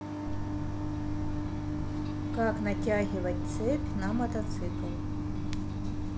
как натягивать цепь на мотоцикл